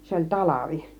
se oli talvi